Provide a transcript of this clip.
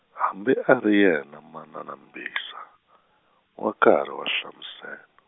hambi a ri yena manana Mbhiza, wa karhi wa hlamusel-.